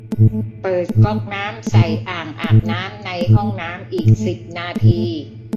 เปิดก๊อกน้ำใส่อ่างอาบน้ำในห้องน้ำอีกสิบนาที